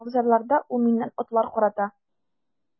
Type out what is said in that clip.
Абзарларда ул миннән атлар карата.